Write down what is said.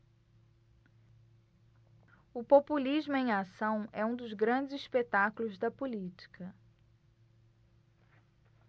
o populismo em ação é um dos grandes espetáculos da política